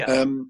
Ia. Yym.